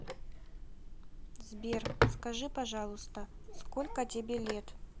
сбер скажи пожалуйста сколько тебе лет